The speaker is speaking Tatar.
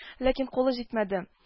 Ләкин кулы җитмәде